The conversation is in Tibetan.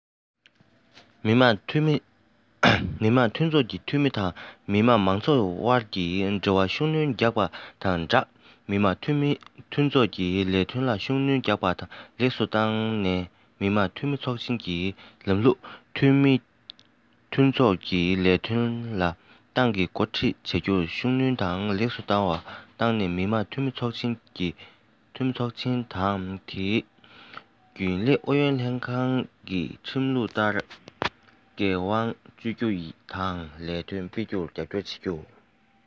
མི དམངས འཐུས ཚོགས ཀྱི འཐུས མི དང མི དམངས མང ཚོགས དབར གྱི འབྲེལ བར ཤུགས སྣོན རྒྱག པ དང སྦྲགས མི དམངས འཐུས ཚོགས ཀྱི ལས དོན ལ ཤུགས སྣོན རྒྱག པ དང ལེགས སུ བཏང ནས མི དམངས འཐུས མི ཚོགས ཆེན ལམ ལུགས ཀྱི རིགས པའི གཞུང ལུགས དང རིམ ཁག ཏང ཨུད ཀྱིས མི དམངས འཐུས ཚོགས ཀྱི ལས དོན ལ ཏང གིས འགོ ཁྲིད བྱ རྒྱུར ཤུགས སྣོན དང ལེགས སུ བཏང ནས མི དམངས འཐུས ཚོགས དང དེའི རྒྱུན ལས ཨུ ཡོན ལྷན ཁང གིས ཁྲིམས ལུགས ལྟར འགན དབང སྤྱོད རྒྱུ དང ལས དོན སྤེལ རྒྱུར རྒྱབ སྐྱོར བྱེད དགོས ལ འགན ལེན ཡང བྱེད དགོས ཞེས བསྟན གནང བ རེད